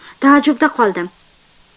taajjubda qoldim